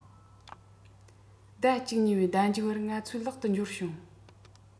ཟླ ༡༢ པའི ཟླ མཇུག བར ང ཚོས ལག ཏུ འབྱོར བྱུང